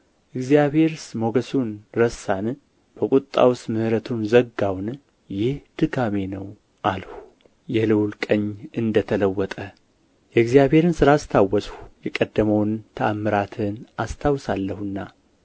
እግዚአብሔርስ ሞገሱን ረሳን በቍጣውስ ምሕረቱን ዘጋውን ይህ ድካሜ ነው አልሁ የልዑል ቀኝ እንደ ተለወጠ የእግዚአብሔርን ሥራ አስታወስሁ የቀደመውን ተአምራትህን አስታወሳለሁና